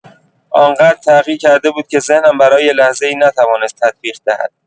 آن‌قدر تغییر کرده بود که ذهنم برای لحظه‌ای نتوانست تطبیق دهد.